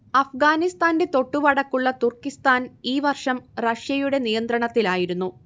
അഫ്ഗാനിസ്താന്റെ തൊട്ടുവടക്കുള്ള തുർക്കിസ്താൻ ഈ വർഷം റഷ്യയുടെ നിയന്ത്രണത്തിലായിരുന്നു